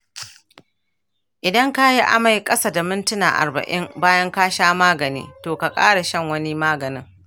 idan ka yi amai ƙasa da mintuna arba'in bayan ka sha magani, toh ka kara shan wani maganin